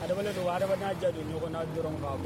Adamadama don ha adama n'a jaabi don ɲɔgɔn dɔrɔn